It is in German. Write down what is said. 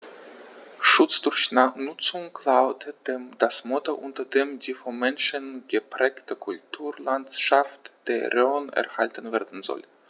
„Schutz durch Nutzung“ lautet das Motto, unter dem die vom Menschen geprägte Kulturlandschaft der Rhön erhalten werden soll.